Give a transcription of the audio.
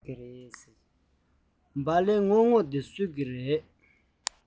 སྦ ལན སྔོན པོ འདི སུའི རེད